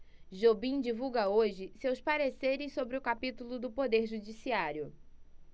jobim divulga hoje seus pareceres sobre o capítulo do poder judiciário